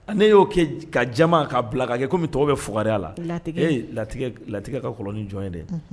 Ne y'o kɛ ka jama k kaa bila ka kɛ kɔmi bɛ tɔgɔ bɛ fug la latigɛ ka koloni jɔn ye dɛ